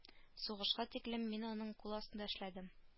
Сугышка тиклем мин аның кул астында эшләдем